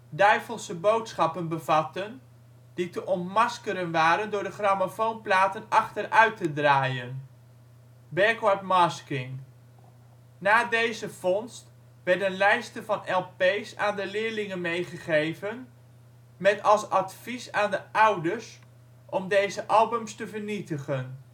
duivelse boodschappen bevatten die te ' ontmaskeren ' waren door de grammofoonplaten achteruit te draaien (' backward masking '). Na deze vondst werden lijsten van lp 's aan de leerlingen meegegeven met als advies aan de ouders om deze albums te vernietigen